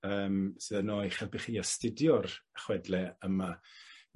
yym sy yno i'ch helpu chi astudio'r chwedle yma